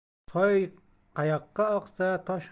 soy qayoqqa oqsa tosh